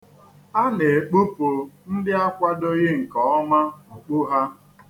A na-ekpupu ndị akwadoghị nke ọma okpu ha.